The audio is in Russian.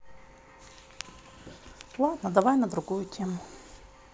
ладно давай на другую тему